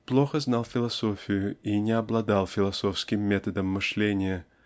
плохо знал философию и не обладал философским методом мышления